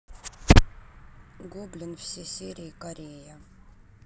гоблин все серии корея